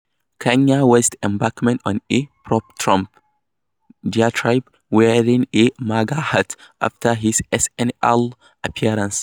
Kanye West Embarked on a Pro-Trump Diatribe, Wearing a MAGA Hat, After his SNL Appearance.